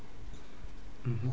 *